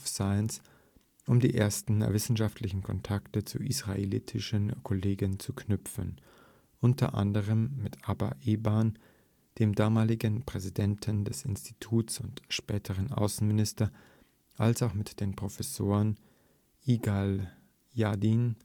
Science, um die ersten wissenschaftlichen Kontakte zu israelischen Kollegen zu knüpfen – u. a. mit Abba Eban, dem damaligen Präsidenten des Instituts und späteren Außenminister, als auch mit den Professoren Yigael Yadin